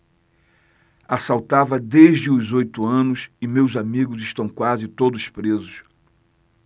assaltava desde os oito anos e meus amigos estão quase todos presos